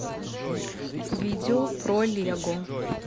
видео про лего